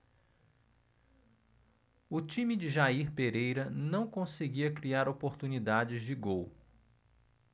o time de jair pereira não conseguia criar oportunidades de gol